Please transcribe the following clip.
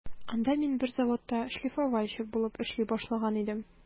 Анда мин бер заводта шлифовальщик булып эшли башлаган идем.